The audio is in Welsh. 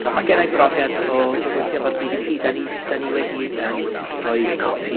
ma' genna i brofiad o weithio efo'r Bee Bee See. 'Dan ni, 'dan ni wedi yym rhoid copi